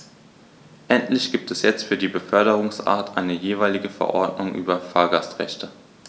Endlich gibt es jetzt für jede Beförderungsart eine jeweilige Verordnung über Fahrgastrechte.